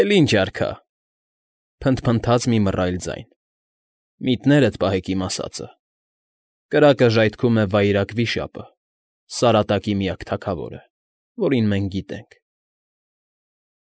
Էլ ի՞նչ արքա…֊ փնթփնթաց մի մռայլ ձայն։֊ Միտներդ պահեք իմ ասածը. կրակը ժայթքում է վայրագ վիշապը, Սարատակի միակ թագավորը, որին մենք գիտենք։ ֊